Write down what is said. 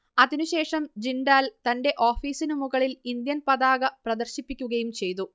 അതിനു ശേഷം ജിണ്ടാൽ തന്റെ ഓഫീസിനു മുകളിൽ ഇന്ത്യൻ പതാക പ്രദർശിപ്പിക്കുകയും ചെയ്തു